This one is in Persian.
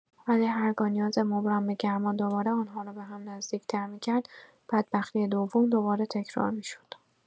ولی هرگاه نیاز مبرم به گرما دوباره آنها را به هم نزدیک‌تر می‌کرد، بدبختی دوم دوباره تکرار می‌شد.